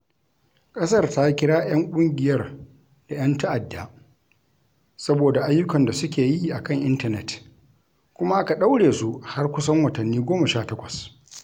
ƙasar ta kira 'yan ƙungiyar da "'yan ta'adda" saboda ayyukan da suke yi a kan intanet kuma aka ɗaure su har kusan watanni 18.